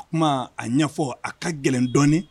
A kuma a ɲɛfɔ a ka gɛlɛn dɔɔnin